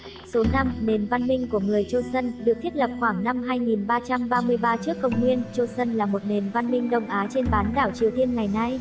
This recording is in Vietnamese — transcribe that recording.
số nền văn minh của người choson được thiết lập khoảng năm trước công nguyên choson là một nền văn minh đông á trên bán đảo triều tiên ngày nay